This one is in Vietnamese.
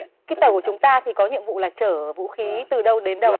cái tàu của chúng ta thì có nhiệm vụ là chở vũ khí từ đâu đến đâu ạ